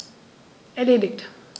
Erledigt.